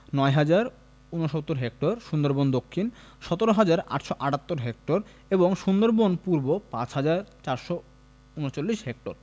৯হাজার ৬৯ hectare Sundarbans দক্ষিণ ১৭হাজার ৮৭৮ hectare এবং সুন্দরবন পূর্ব ৫হাজার ৪৩৯ হেক্টর